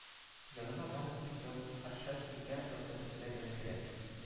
Янына бары тик гәүһәршад бикә рөхсәте белен генә керә